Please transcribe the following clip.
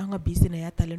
An ka bin sen na a'a talen